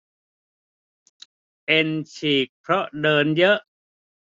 เอ็นฉีกเพราะเดินเยอะ